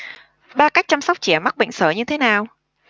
ba cách chăm sóc trẻ mắc bệnh sởi như thế nào